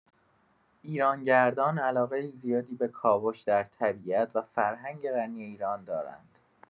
ایرانگردان علاقه زیادی به کاوش در طبیعت و فرهنگ غنی ایران دارند.